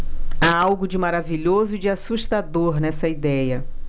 há algo de maravilhoso e de assustador nessa idéia